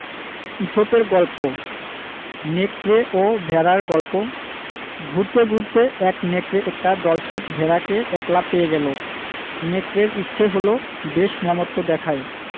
ইসপের গল্প নেকড়ে ও ভেড়ার গল্প ঘুরতে ঘুরতে এক নেকড়ে একটা দলছুট ভেড়াকে একলা পেয়ে গেল নেকড়ের ইচ্ছে হল বেশ মমত্ব দেখায়